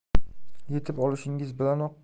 yetib olishingiz bilanoq